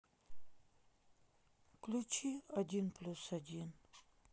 включи один плюс один